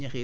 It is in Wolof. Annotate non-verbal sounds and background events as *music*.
*hesitation* *hesitation*